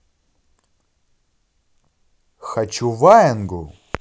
хочу ваенгу